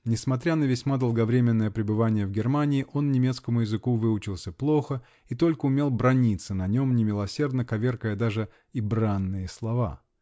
Несмотря на весьма долговременное пребывание в Германии, он немецкому языку выучился плохо и только умел браниться на нем, немилосердно коверкая даже и бранные слова.